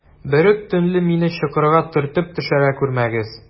Берүк төнлә мине чокырга төртеп төшерә күрмәгез.